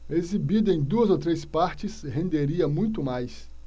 exibida em duas ou três partes renderia muito mais